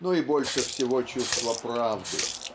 но и больше всего чувство правды.